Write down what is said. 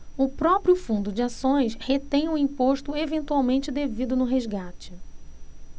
o próprio fundo de ações retém o imposto eventualmente devido no resgate